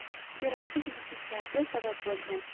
keraksiz mish mishlarga sabab bo'lgan